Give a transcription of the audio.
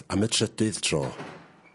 ...am y trydydd tro.